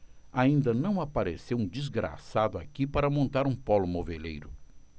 ainda não apareceu um desgraçado aqui para montar um pólo moveleiro